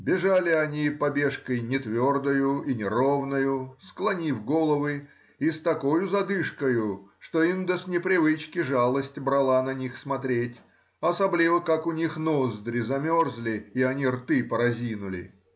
Бежали они побежкой нетвердою и неровною, склонив головы, и с такою задышкою, что инда с непривычки жалость брала на них смотреть, особливо как у них ноздри замерзли и они рты поразинули.